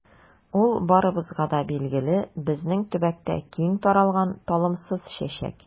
Ул барыбызга да билгеле, безнең төбәктә киң таралган талымсыз чәчәк.